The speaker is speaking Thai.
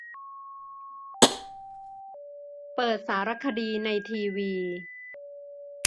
เปิดสารคดีในทีวี